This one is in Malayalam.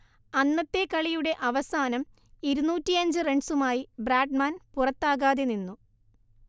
അന്നത്തെ കളിയുടെ അവസാനം ഇരുന്നൂറ്റിയഞ്ച് റൺസുമായി ബ്രാഡ്മാൻ പുറത്താകാതെ നിന്നു